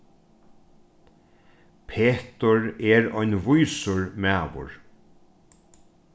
petur er ein vísur maður